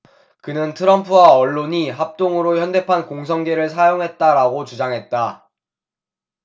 그는 트럼프와 언론이 합동으로 현대판 공성계를 사용했다라고 주장했다